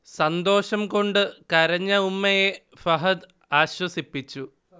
സന്തോഷം കൊണ്ടു കരഞ്ഞ ഉമ്മയെ ഫഫദ് ആശ്വസിപ്പിച്ചു